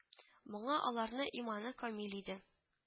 Моңа аларны иманы камил иде